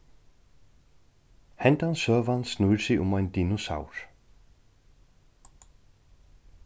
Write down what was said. hendan søgan snýr seg um ein dinosaur